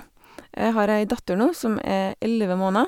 Jeg har ei datter nå som er elleve måneder.